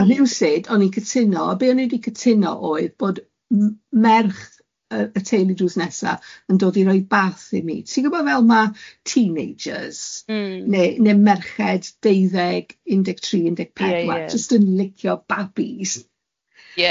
A rywsut o'n i'n cytuno, a be o'n i wedi cytuno oedd bod m- merch y y teulu drws nesa yn dod i roi bath i mi. Ti'n gwybod fel ma' teenagers... M-hm. ...ne ne merched deuddeg, un deg tri, un deg pedwar... Ie ie ...jyst yn licio babis? Ie.